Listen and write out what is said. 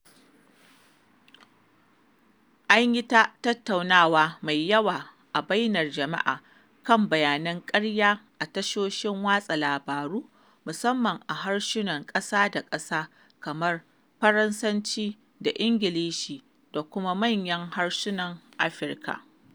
An yi ta tattaunawa mai yawa a bainar jama'a kan bayanan ƙarya a tashoshin watsa labaru, musamman a harsunan ƙasa da ƙasa kamar Faransanci da Ingilishi, da kuma manyan harsunan Afirka.